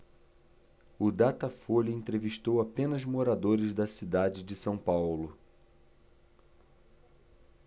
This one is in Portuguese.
o datafolha entrevistou apenas moradores da cidade de são paulo